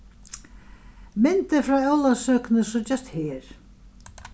myndir frá ólavsøkuni síggjast her